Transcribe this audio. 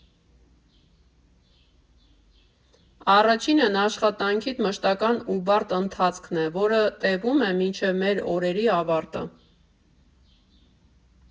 Առաջինն անշխատանքիդ մշտական ու բարդ ընթացքն է, որը տևում է մինչև մեր օրերի ավարտը։